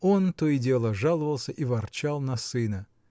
он то и дело жаловался и ворчал на сына.